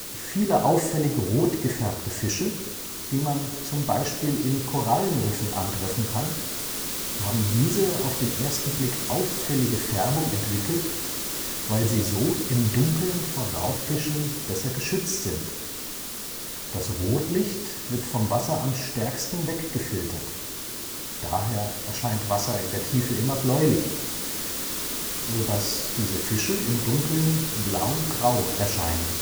Viele auffällig rot gefärbte Fische, die man zum Beispiel in Korallenriffen antreffen kann, haben diese auf den ersten Blick auffällige Färbung entwickelt, weil sie so im Dunkeln vor Raubfischen besser geschützt sind: Das Rotlicht wird vom Wasser am stärksten weggefiltert (daher erscheint Wasser in der Tiefe immer bläulich), so dass diese Fische im Dunkeln blau-grau erscheinen